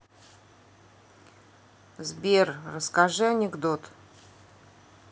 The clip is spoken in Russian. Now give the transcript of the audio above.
сбер расскажи анекдот